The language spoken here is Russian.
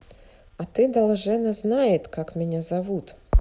а ты должена знает как меня зовут